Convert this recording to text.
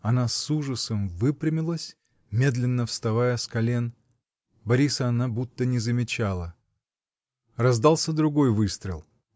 Она с ужасом выпрямилась, медленно вставая с колен Бориса она будто не замечала. Раздался другой выстрел.